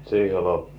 siihen loppui